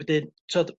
wedyn t'od